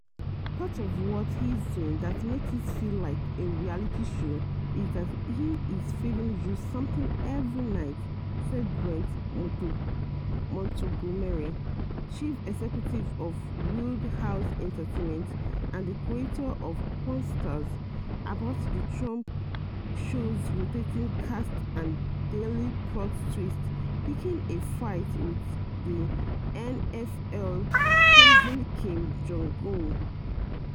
"Part of what he's doing that makes it feel like a reality show is that he is feeding you something every night," said Brent Montgomery, chief executive of Wheelhouse Entertainment and the creator of "Pawn Stars," about the Trump show's rotating cast and daily plot twists (picking a fight with the N.F.L., praising Kim Jong-un).